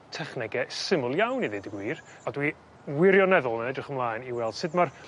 technege syml iawn i ddeud y gwir a dwi wirioneddol yn edrych ymlaen i weld sud ma'r